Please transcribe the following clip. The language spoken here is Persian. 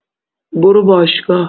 برو باشگاه